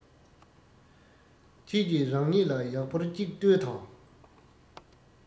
ཁྱེད ཀྱི རང ཉིད ལ ཡག པོར ཅིག ལྟོས དང